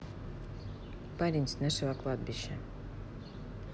парень с нашего кладбища